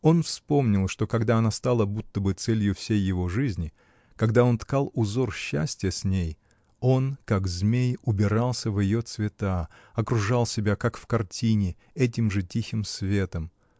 Он вспомнил, что когда она стала будто бы целью всей его жизни, когда он ткал узор счастья с ней, — он, как змей, убирался в ее цветы, окружал себя, как в картине, этим же тихим светом